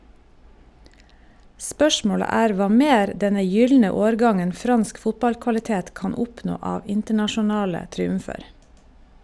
Spørsmålet er hva mer denne gylne årgangen fransk fotballkvalitet kan oppnå av internasjonale triumfer.